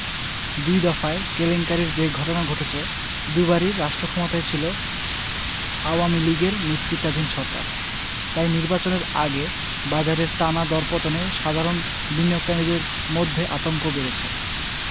দুই দফায় কেলেঙ্কারির যে ঘটনা ঘটেছে দুবারই রাষ্ট্রক্ষমতায় ছিল আওয়ামী লীগের নেতৃত্বাধীন সরকার তাই নির্বাচনের আগে বাজারের টানা দরপতনে সাধারণ বিনিয়োগকারীদের মধ্যে আতঙ্ক বেড়েছে